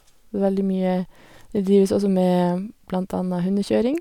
veldig mye Det drives også med blant anna hundekjøring.